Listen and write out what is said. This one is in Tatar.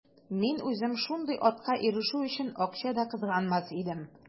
Мин үзем шундый атка ирешү өчен акча да кызганмас идем.